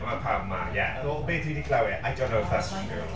A ma' pawb 'ma. Ie, ar ôl dwi 'di clywed, I don't know if that's true.